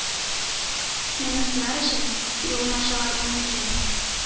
Мине сынар өчен юлыма чыгардың микән?